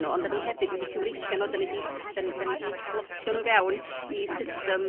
n'w ond 'da ni hefyd wedi Cymreicio n'w 'da ni 'di slotio n'w i fewn i system